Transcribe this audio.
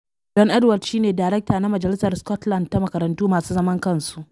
John Edward shi ne Darekta na Majalisar Scotland ta Makarantu Masu Zaman Kansu